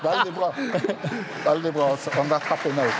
veldig bra veldig bra altså .